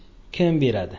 kim beradi